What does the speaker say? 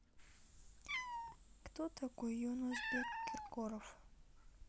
кто такой юнусбек киркоров